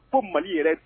Ko mali yɛrɛ